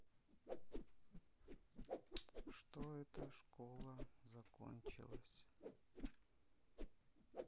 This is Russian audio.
что это школа закончилась